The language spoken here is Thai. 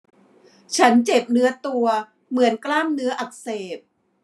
ฉันเจ็บเนื้อตัวเหมือนกล้ามเนื้ออักเสบ